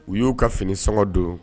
U y'u ka finisɔngɔ dun